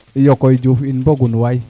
iyo koy Diouf in mbogun waay